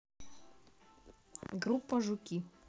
группа жуки